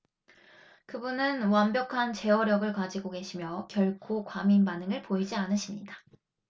그분은 완벽한 제어력을 가지고 계시며 결코 과민 반응을 보이지 않으십니다